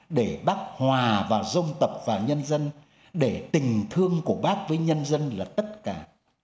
để bác hòa và dân tộc và nhân dân để tình thương của bác với nhân dân là tất cả